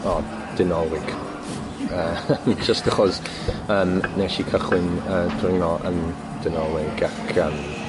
O Dinorwig yy jyst achos yym nes i cychwyn yy dringo yn Dinorwig ac yym